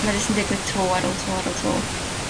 ma' jyst yn digwydd tro ar ôl tro ar ôl tro.